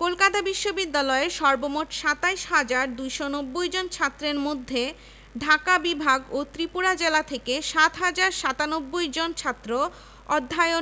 ১. বিশ্ববিদ্যালয়টি হবে রাষ্ট্রনিয়ন্ত্রিত এবং সরকারি কর্মকর্তা কর্তৃক পরিচালিত ২. এটি হবে আবাসিক ও শিক্ষাদানকারী